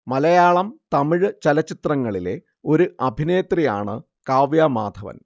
മലയാളം തമിഴ് ചലച്ചിത്രങ്ങളിലെ ഒരു അഭിനേത്രിയാണ് കാവ്യ മാധവൻ